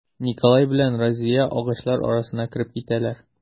Николай белән Разия агачлар арасына кереп китәләр.